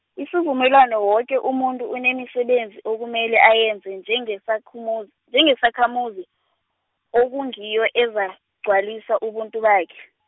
isivumelwano woke umuntu unemisebenzi okumele ayenze njengesakhamuzi, njengesakhamuzi, okungiyo ezagcwalisa ubuntu bakhe.